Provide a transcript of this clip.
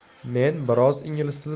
men biroz ingliz